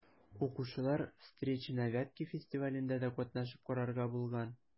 Укучылар «Встречи на Вятке» фестивалендә дә катнашып карарга булган.